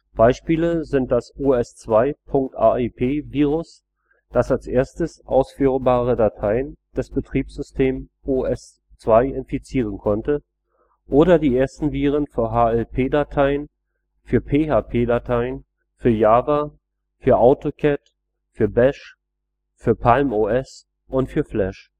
Beispiele sind das OS2.AEP-Virus, das als erstes ausführbare Dateien des Betriebssystems OS/2 infizieren konnte, oder die ersten Viren für HLP-Dateien, für PHP-Dateien, für Java, für AutoCAD, für Bash, für Palm OS und für Flash